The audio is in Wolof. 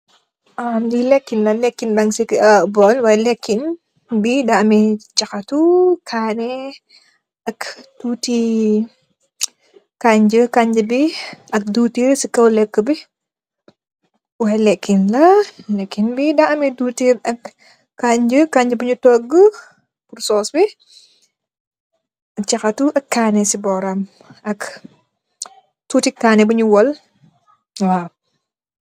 Ahmm lii lehkin la, lehkin dang cii kii aah borl, y lehkin bii daa ameh jahatu, kaaneh ak tuti kanjeh, kanjeh bii ak diwtirr cii kaw lehkue bii, y lehkin la lehkin bii daa ameh diwtirr ak kanjeh kanjah bu nju tohgu ak sauce bii, jakhatu ak kaaneh cii bohram, ak tuti kaaneh bu nju worl waw.